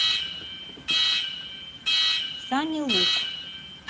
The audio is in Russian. sunnylook